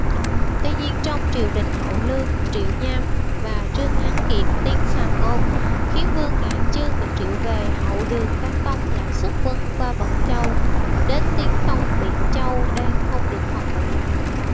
tuy nhiên trong triều đình hậu lương triệu nham và trương hán kiệt tiến sàm ngôn khiến vương ngạn chương bị triệu về hậu đường trang tông lại suất quân qua vận châu đến tiến công biện châu đang không được phòng bị